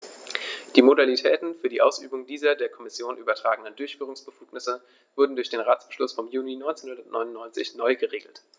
Die Modalitäten für die Ausübung dieser der Kommission übertragenen Durchführungsbefugnisse wurden durch Ratsbeschluss vom Juni 1999 neu geregelt.